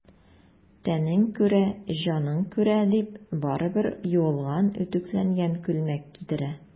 Тәнең күрә, җаның күрә,— дип, барыбер юылган, үтүкләнгән күлмәк кидерә.